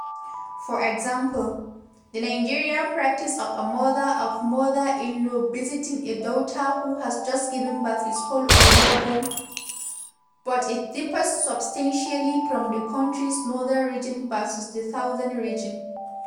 For example, the Nigerian practice of a mother or mother-in-law visiting a daughter who has just given birth is called omugwo, but it differs substantially from the country’s northern region versus the southern region.